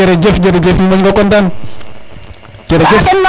jerejef jerejef mi moƴ ngo content jerejef